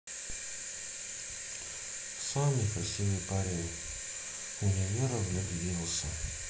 самый красивый парень универа влюбился